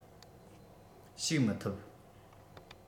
ཞུགས མི ཐུབ